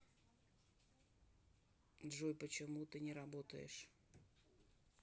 джой почему ты не работаешь